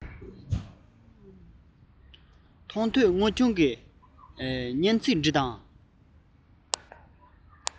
མཐོང ཐོས དངོས བྱུང གི སྙན ཚིག བྲིས དང